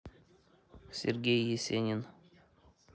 сергей есенин